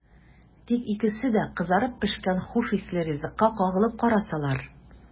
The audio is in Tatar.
Тик икесе дә кызарып пешкән хуш исле ризыкка кагылып карасалар!